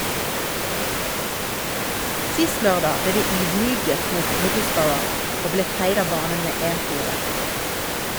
Sist lørdag ble de ydmyket mot Middlesbrough, og ble feid av banen med 1-4.